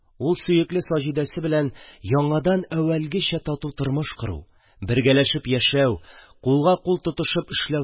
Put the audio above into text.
Ул сөекле Саҗидәсе белән яңадан әүвәлгечә тату тормыш кору, бергәләшеп яшәү, кулга-кул тотышып эшләү